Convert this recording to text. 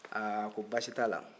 aa a ko baasi t'a la